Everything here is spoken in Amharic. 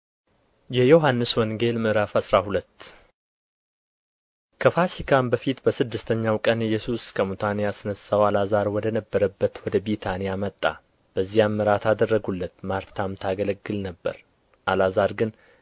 የዮሐንስ ወንጌል ምዕራፍ አስራ ሁለት ከፋሲካም በፊት በስድስተኛው ቀን ኢየሱስ ከሙታን ያስነሣው አልዓዛር ወደ ነበረበት ወደ ቢታንያ መጣ በዚያም እራት አደረጉለት ማርታም ታገለግል ነበር አልዓዛር ግን